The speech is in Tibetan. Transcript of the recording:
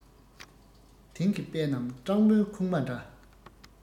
དེང གི དཔེ རྣམས སྤྲང བོའི ཁུག མ འདྲ